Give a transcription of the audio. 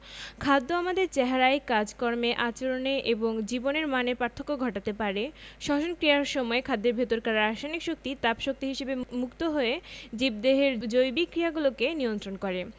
খাদ্য আমাদের চেহারায় কাজকর্মে আচরণে এবং জীবনের মানে পার্থক্য ঘটাতে পারে শ্বসন ক্রিয়ার সময় খাদ্যের ভেতরকার রাসায়নিক শক্তি তাপ শক্তি হিসেবে মুক্ত হয়ে জীবদেহের জৈবিক ক্রিয়াগুলোকে নিয়ন্ত্রন করে